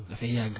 dafa yàgg